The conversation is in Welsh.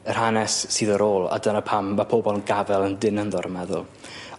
Yr hanes sydd ar ôl a dyna pam ma' pobol yn gafel yn dyn ynddo dwi meddwl.